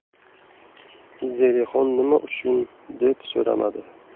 zelixon nima uchun deb so'ramadi